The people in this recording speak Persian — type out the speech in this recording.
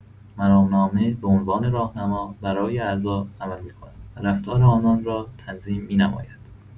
مرامنامه به عنوان راهنما برای اعضا عمل می‌کند و رفتار آنان را تنظیم می‌نماید.